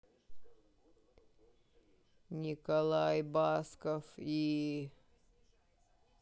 николай басков и